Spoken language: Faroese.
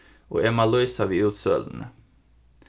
og eg má lýsa við útsøluni